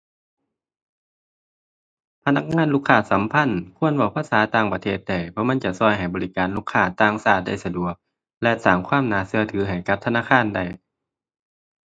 พนักงานลูกค้าสัมพันธ์ควรเว้าภาษาต่างประเทศได้ เพราะมันจะช่วยให้บริการลูกค้าต่างชาติได้สะดวก และสร้างความน่าเชื่อถือให้กับธนาคารได้